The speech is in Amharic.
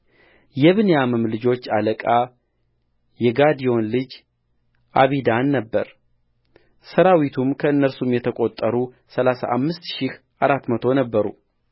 ይብንያምም ልጆች አለቃ የጋዴዮን ልጅ አቢዳን ነበረሠራዊቱም ከእነርሱም የተቈጠሩ ሠላሳ አምስት ሺህ አራት መቶ ነበሩ